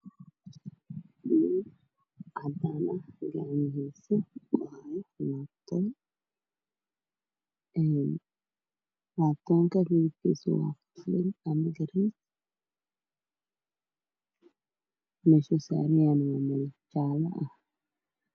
Waa miis cadaan ah waxaa dushiisa saaran laabtoob cadaan ah